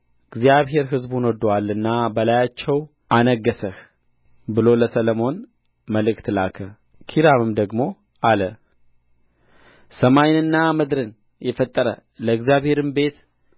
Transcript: እግዚአብሔር ሕዝቡን ወድዶአልና በላያቸው አነገሠህ ብሎ ለሰሎሞን መልእክት ላከ ኪራምም ደግሞ አለ ሰማይንና ምድርን የፈጠረ ለእግዚአብሔርም ቤት